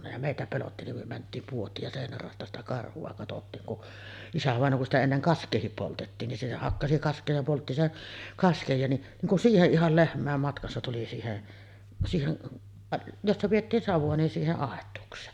ja meitä pelotti niin me mentiin puotiin ja seinän raosta sitä karhua katsottiin kun isävainaja kun sitä ennen kaskeakin poltettiin niin se hakkasi kaskea ja poltti sen kasken ja niin niin kuin siihen ihan lehmien matkassa tuli siihen siihen jossa pidettiin savua niin siihen aitaukseen